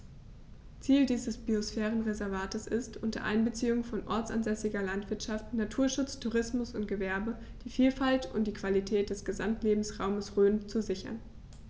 Ziel dieses Biosphärenreservates ist, unter Einbeziehung von ortsansässiger Landwirtschaft, Naturschutz, Tourismus und Gewerbe die Vielfalt und die Qualität des Gesamtlebensraumes Rhön zu sichern.